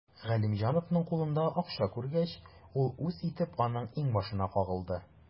Галимҗановның кулында акча күргәч, ул үз итеп аның иңбашына кагылды.